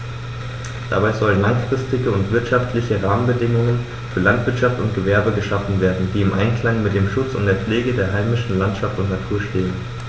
Dabei sollen langfristige und wirtschaftliche Rahmenbedingungen für Landwirtschaft und Gewerbe geschaffen werden, die im Einklang mit dem Schutz und der Pflege der heimischen Landschaft und Natur stehen.